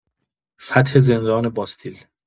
فتح زندان باستیل